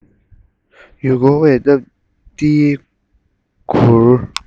ཡར ལངས ནས རྒྱབ ཁུག ཆེན པོ དེའི ཁ ཕྱེས